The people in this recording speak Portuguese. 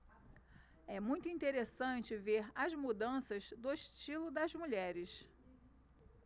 é muito interessante ver as mudanças do estilo das mulheres